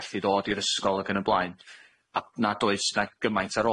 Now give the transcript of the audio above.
gallu ddod i'r ysgol ag yn y blaen a nad oes 'na gymaint ar